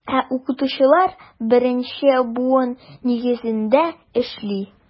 Ә укытучылар беренче буын нигезендә эшли.